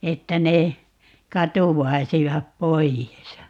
että ne katoaisivat pois